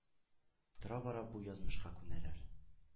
Тора-бара бу язмышка күнәләр.